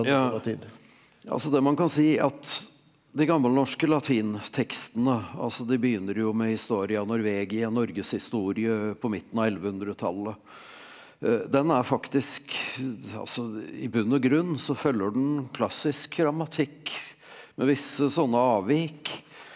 ja altså det man kan si at de gammelnorske latintekstene altså det begynner jo med Historia Norvegia Norges historie på midten av ellevehundretallet den er faktisk altså i bunn og grunn så følger den klassisk grammatikk med visse sånne avvik.